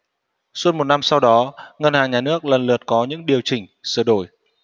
suốt một năm sau đó ngân hàng nhà nước lần lượt có những điều chỉnh sửa đổi